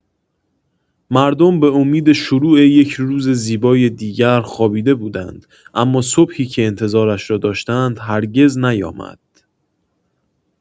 مردم به امید شروع یک روز زیبای دیگر خوابیده بودند، اما صبحی که انتظارش را داشتند، هرگز نیامد!